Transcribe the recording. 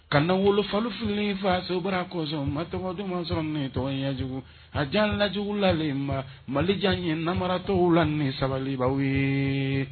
Ka wolofalofi fasobara kɔsɔn ma tɔgɔ juguman sɔrɔ nin tɔgɔ ɲɛjugu a jan lajwlalen malijan ye namaratɔ la ni sabalibaw ye